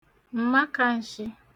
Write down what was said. m̀makanshị